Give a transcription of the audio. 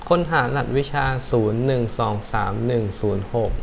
ค้นหารหัสวิชาศูนย์หนึ่งสองสามหนึ่งศูนย์หก